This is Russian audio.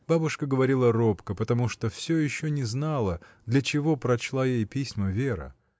Бабушка говорила робко, потому что всё еще не знала, для чего прочла ей письма Вера.